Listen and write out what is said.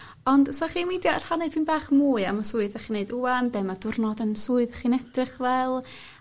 ond 'sach chi'n meindio rhannu pyn bach mwy am y swydd 'dach chi'n neud ŵan be' ma' diwrnod yn swydd chi'n edrych fel.